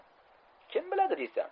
kim biladi deysan